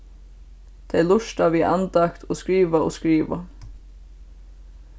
tey lurta við andakt og skriva og skriva